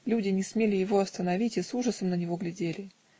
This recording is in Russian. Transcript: люди не смели его остановить и с ужасом на него глядели